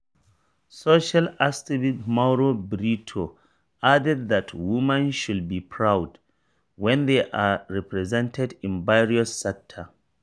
Social activist Mauro Brito added that women should be proud "when they are represented in various sectors":